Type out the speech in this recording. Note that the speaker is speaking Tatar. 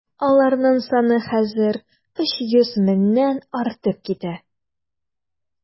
Аларның саны хәзер 300 меңнән артып китә.